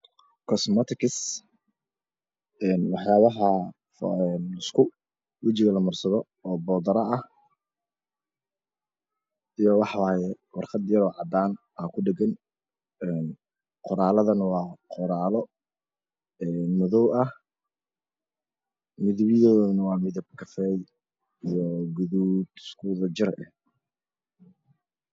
Kosmaatikis een wax yaabaha la isku wajiga lamarsado oo bootaro ah iyo waxaa waayo war qad yaroo cadaan ah aa ku dhegan een qoraaladuna waa qoraalo een madow ah midab yadoodana waa midab kafay iyo guduud iskuwada jir eh